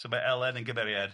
So ma' Elen yn gymeriad